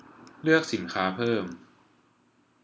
เลือกสินค้าเพิ่ม